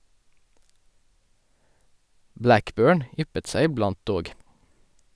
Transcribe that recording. Blackburn yppet seg iblant, dog.